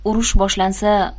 urush boshlansa